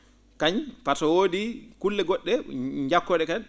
kañ par ce wodi kulle go??e njakkoo?e kadi